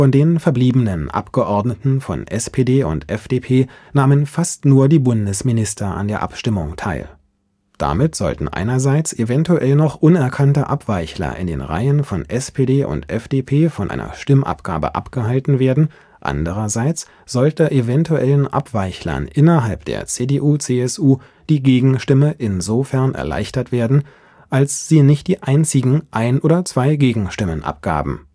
den (verbliebenen) Abgeordneten von SPD und FDP nahmen fast nur die Bundesminister an der Abstimmung teil. Damit sollten einerseits eventuell noch unerkannte „ Abweichler “in den Reihen von SPD und FDP von einer Stimmabgabe abgehalten werden, andererseits sollte eventuellen „ Abweichlern “innerhalb der CDU/CSU die Gegenstimme insofern erleichtert werden, als sie nicht die einzigen ein oder zwei Gegenstimmen abgaben